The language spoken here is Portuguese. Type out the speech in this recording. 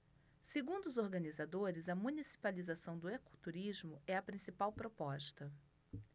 segundo os organizadores a municipalização do ecoturismo é a principal proposta